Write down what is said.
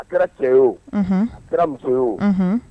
A kɛra cɛ ye a kɛra muso ye